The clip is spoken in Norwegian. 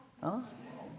ja.